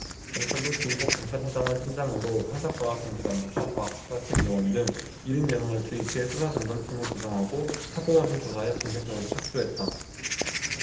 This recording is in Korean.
경찰도 김포경찰서장을 팀장으로 형사과와 경기남부청 과학수사팀 요원 등 일흔 여명을 투입해 수사 전담팀을 구성하고 사고 원인 조사에 본격적으로 착수했다